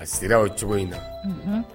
A sira o cogo in na, unhun.